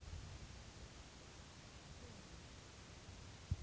форест